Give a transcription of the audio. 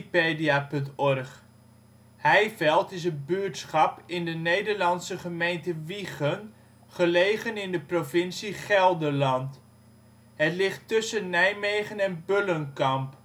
47 ' NB, 5° 47 ' OL Heiveld is een buurtschap in de Nederlandse gemeente Wijchen, gelegen in de provincie Gelderland. Het ligt tussen Nijmegen en Bullenkamp